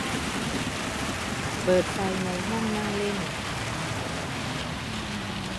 เปิดไฟในห้องนั่งเล่น